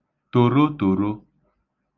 tòrotòro